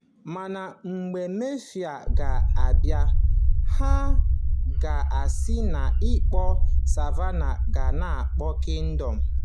Mana mgbe mefịa ga-abịa, ha ga-esi n'ịkpọ "Savannah" gaa n'ịkpọ Kingdom'